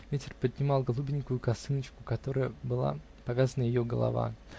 Ветер поднимал голубенькую косыночку, которою была повязана ее голова